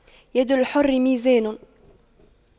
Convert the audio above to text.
يد الحر ميزان